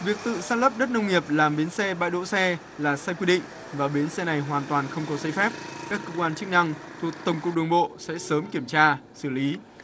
việc tự san lấp đất nông nghiệp làm bến xe bãi đỗ xe là sai quy định và bến xe này hoàn toàn không có giấy phép các cơ quan chức năng thuộc tổng cục đường bộ sẽ sớm kiểm tra xử lý